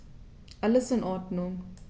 Alles in Ordnung.